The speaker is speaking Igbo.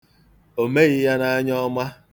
O meghi ya n'anyọọma.